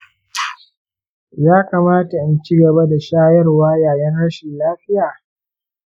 ya kamata in ci gaba da shayarwa yayin rashin lafiya?